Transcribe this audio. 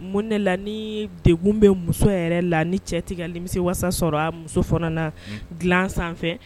Mun ne la ni degkun bɛ muso yɛrɛ la ni cɛ tigɛ kami se walasasa sɔrɔ a muso fana na dilan sanfɛ